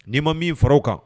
N'i ma min far'o kan